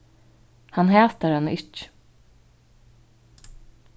hann hatar hana ikki